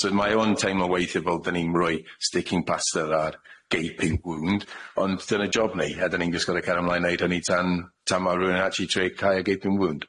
So mae o'n teimlo weithie fel dan ni'n roi sticking plaster ar gaping wound ond dyna'r job ni a dan ni'n jyst gor'o' ca'l ymlaen neud hynny tan tan ma' rywun acshyli'n trio cau y gaping wound.